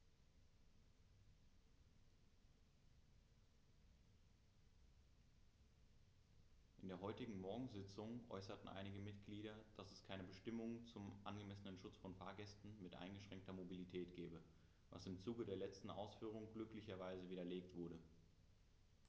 In der heutigen Morgensitzung äußerten einige Mitglieder, dass es keine Bestimmung zum angemessenen Schutz von Fahrgästen mit eingeschränkter Mobilität gebe, was im Zuge der letzten Ausführungen glücklicherweise widerlegt wurde.